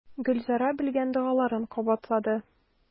Гөлзәрә белгән догаларын кабатлады.